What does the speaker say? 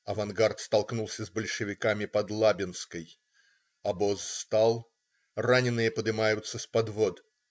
Авангард столкнулся с большевиками под Лабинской. Обоз стал. Раненые подымаются с подвод.